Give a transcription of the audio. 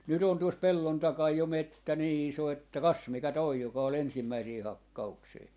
nyt on tuossa pellon takana jo metsä niin iso että kas mikä tuo joka oli ensimmäisiä hakkauksia